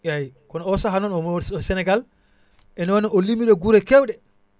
Sénégal